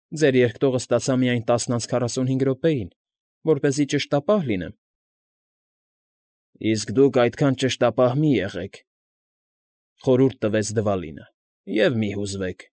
Ձեր երկտողը ստացա միայն տասն անց քառասունհինգ րոպեին, որպեսզի ճշտապահ լինեմ… ֊ Իսկ դուք այդքան ճշտապահ մի՛ եղեք,֊ խորհուրդ տվեց Դվալինը, ֊ և մի՛ հուզվեք։